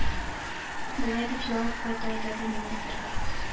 Болай дип җавап кайтарды, ди, министрга: